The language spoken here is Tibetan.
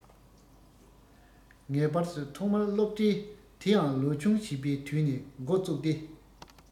ངེས པར དུ ཐོག མར སློབ གྲྭའི དེ ཡང ལོ ཆུང བྱིས པའི དུས ནས འགོ བཙུགས ཏེ